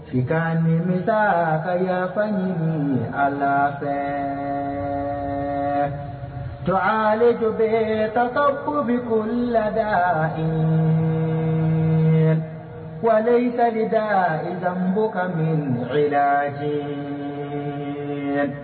Miniyanmi ka yafa ɲini a la fɛ to jo bɛ tasa ko bɛ boli laadada in ksali da i zanbɔ ka min